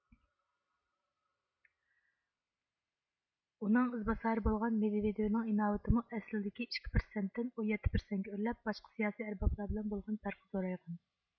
ئۇنىڭ ئىز باسارى بولغان مېدۋېدېۋنىڭ ئىناۋىتىمۇ ئەسلىدىكى ئىككى پىرسەنتتىن ئون يەتتە پىرسەنتكە ئۆرلەپ باشقا سىياسىي ئەربابلار بىلەن بولغان پەرقى زورايغان